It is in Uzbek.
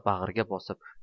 bag'riga bosib